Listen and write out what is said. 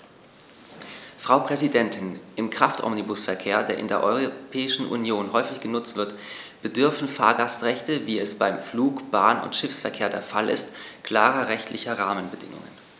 Frau Präsidentin, im Kraftomnibusverkehr, der in der Europäischen Union häufig genutzt wird, bedürfen Fahrgastrechte, wie es beim Flug-, Bahn- und Schiffsverkehr der Fall ist, klarer rechtlicher Rahmenbedingungen.